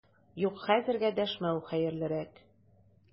Юк, хәзергә дәшмәү хәерлерәк!